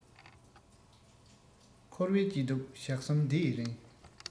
འཁོར བའི སྐྱིད སྡུག ཞག གསུམ འདི ཡི རིང